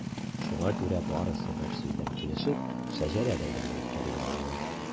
Шуңа күрә барысы берсүздән килешеп “Шәҗәрә бәйрәме” үткәрергә булалар.